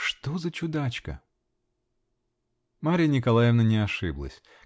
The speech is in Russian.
Что за чудачка!" Марья Николаевна не ошиблась.